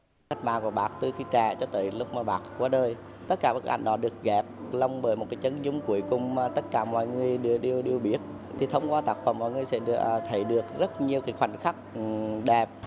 thất bại của bác từ khi trẻ cho tới lúc mà bác qua đời tất cả bức ảnh đó được ghép lồng bởi một cái chân dung cuối cùng mà tất cả mọi người đều đều đều biết thì thông qua tác phẩm mọi người sẽ à thấy được rất nhiều cái khoảnh khắc đẹp